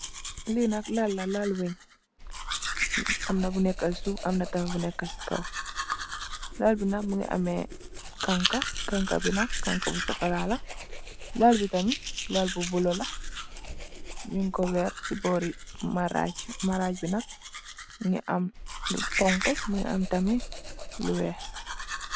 Li nak lal la, lal wënn amna bu nekka ci suuf amna tamit bu nekka ci kaw. Lal bi nak mungi ameh hangha, hangha bi nak hangha bu sokola. Lal bi tamit, lal bi bulo la nung ko wèrr ci bori maraj, maraj bi nak mungi am lu honku mungi am tamit lu weeh.